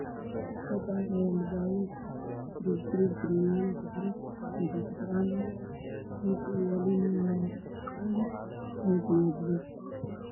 Hal kaan waxaa yaalo daawo ka niin yaal ah